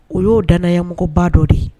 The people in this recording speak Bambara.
O y'o danayamɔgɔ dɔ de ye